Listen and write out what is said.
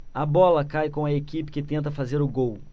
a bola sai com a equipe que tenta fazer o gol